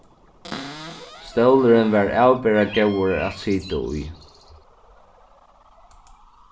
stólurin var avbera góður at sita í